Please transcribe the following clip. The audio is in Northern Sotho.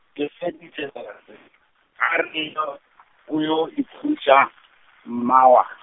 ke feditše , o yo ikhutša, mma wa.